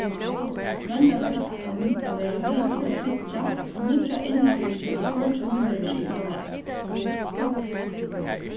royndarverkætlanin skal vera við til at tryggja at nýggja innrættingin av torginum verður skipað væl